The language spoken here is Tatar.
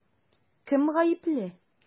Кем гаепле?